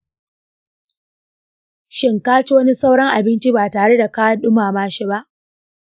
shin kaci wani sauran abinci ba tareda ka dumamashi ba?